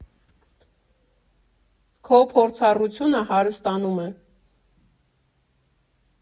Քո փորձառությունը հարստանում է։